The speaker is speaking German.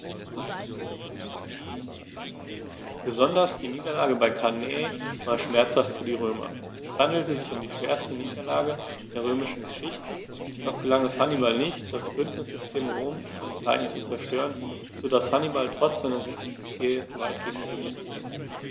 Besonders die Niederlage bei Cannae war schmerzhaft für die Römer: Es handelte sich um die schwerste Niederlage in der römischen Geschichte, doch gelang es Hannibal nicht, das Bündnissystem Roms in Italien zu zerstören, sodass Hannibal trotz seiner Siege weitgehend isoliert blieb.